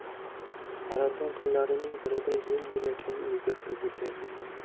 saraton kunlarining birida yo'l yo'lakay uyga kirib o'tay dedim